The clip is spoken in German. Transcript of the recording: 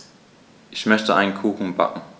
Ich möchte einen Kuchen backen.